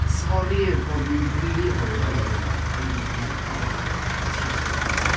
Sori bod fi'n rili hwyr gyda'r un ym- un- un- yma. Are my teeth in?.